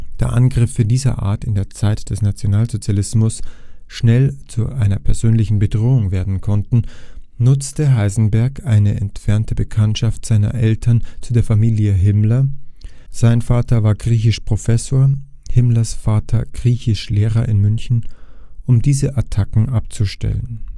Da Angriffe dieser Art in der Zeit des Nationalsozialismus schnell zu einer persönlichen Bedrohung werden konnten, nutzte Heisenberg eine entfernte Bekanntschaft seiner Eltern zu der Familie Himmler (sein Vater war Griechischprofessor, Himmlers Vater Griechischlehrer in München), um diese Attacken abzustellen